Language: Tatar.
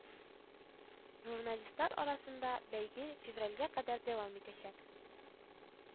Журналистлар арасындагы бәйге февральгә кадәр дәвам итәчәк